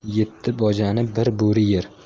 yetti bojani bir bo'ri yer